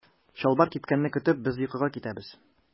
Чалбар кипкәнне көтеп без йокыга китәбез.